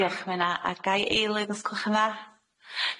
Diolch Mena, a gai eilydd os gwch yn dda.